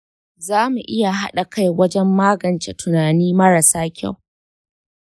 za mu iya haɗa kai wajan magance tunani marasa kyau .